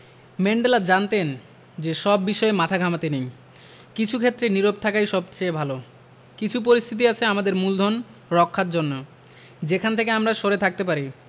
Mandela জানতেন যে সব বিষয়ে মাথা ঘামাতে নেই কিছু ক্ষেত্রে নীরব থাকাই সবচেয়ে ভালো কিছু পরিস্থিতি আছে আমাদের মূলধন রক্ষার জন্য যেখান থেকে আমরা সরে থাকতে পারি